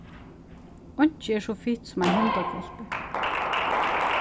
einki er so fitt sum ein hundahvølpur